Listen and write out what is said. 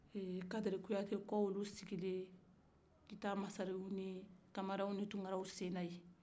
eee kadiri kuyate kɔ olu sigilen kita masarenw ni kamaraw ni tunkaraw senna yen